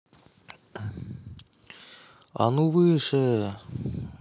а ну выше